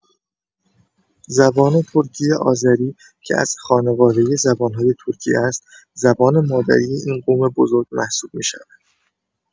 زبان ترکی آذری که از خانواده زبان‌های ترکی است، زبان مادری این قوم بزرگ محسوب می‌شود.